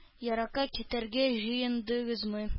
Еракка китәргә җыендыгызмы?